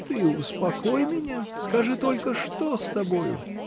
— Ты успокой меня: скажи только, что с тобой?.